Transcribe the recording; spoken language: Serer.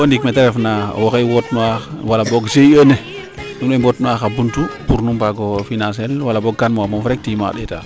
mais bo ndiik meete refna waxey woot nuwa wala boog GIE ne nuun way mboot nooxa xa buntu pour nu mbago financer el wala boog kan mofa moof rek tiima ndeeta